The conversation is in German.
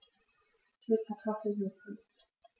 Ich will Kartoffelsuppe.